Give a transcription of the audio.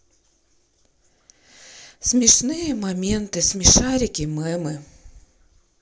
смешные моменты смешарики мемы